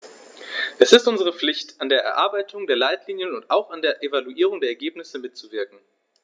Es ist unsere Pflicht, an der Erarbeitung der Leitlinien und auch an der Evaluierung der Ergebnisse mitzuwirken.